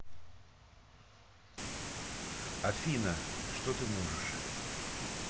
афина что ты можешь